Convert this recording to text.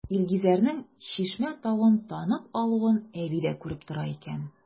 Илгизәрнең Чишмә тавын танып алуын әби дә күреп тора икән.